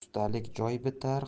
ustalik joy bitar